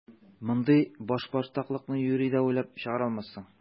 Мондый башбаштаклыкны юри дә уйлап чыгара алмассың!